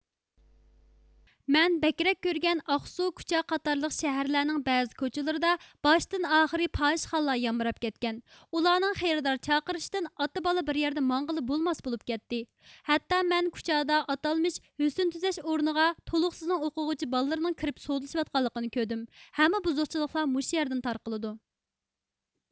مەن بەكرەك كۆرگەن ئاقسۇ كۇچا قاتارلىق شەھەرلەرنىڭ بەزى كوچىلىردا باشتن ئاخىرى پاھىشخانىلار يامراپ كەتكەن ئۇلارنڭ خېرىدار چاقىرشىدىن ئاتا بالا بىر يەردە ماڭغىلى بولماس بولۇپ كەتتى ھەتتا مەن كۇچادا ئاتالمىش ھۆسىن تۈزەش ئورنىغا تولۇقسزنىڭ ئوقۇغۇچى بالىلىرىنىڭ كىرىپ سودىلىشىۋاتقانلىقىمۇ كۆردۈم ھەممە بۇزۇقچىلىقلار موشۇ يەردىن تارقىلدۇ